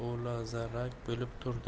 zum olazarak bo'lib turdi